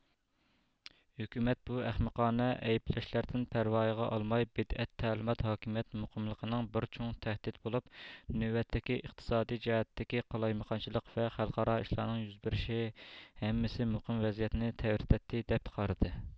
ھۆكۈمەت بۇ ئەخمىقانە ئەيىبلەشلەردىن پەرۋايىغا ئالماي بىدئەت تەلىمات ھاكىمىيەت مۇقىملىقىنىڭ بىر چوڭ تەھدىت بولۇپ نۆۋەتتىكى ئىقتىسادىي جەھەتتىكى قالايمىقانچىلىق ۋە خەلقئارا ئىشلارنىڭ يۈز بېرىشى ھەممىسى مۇقىم ۋەزىيەتنى تەۋرىتىۋەتتى دەپ قارىدى